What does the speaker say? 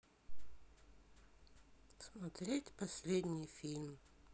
смотреть последний фильм